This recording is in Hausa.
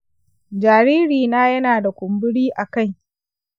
jaririna yana da kumburi a kai.